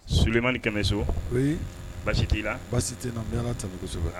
Somani ni kɛmɛ so o basi t tɛ'i la baasi tɛ n bɛ ala tɛmɛ